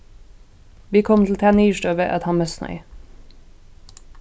vit komu til ta niðurstøðu at hann møsnaði